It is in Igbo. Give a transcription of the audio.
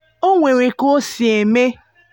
O nwere ka o si eme.